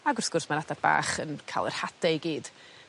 Ag wrth gwrs ma'r adar bach yn ca'l yr hade i gyd.